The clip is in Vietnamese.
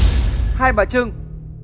hai bà trưng